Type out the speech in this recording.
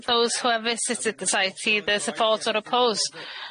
those who have visited the site either support or oppose.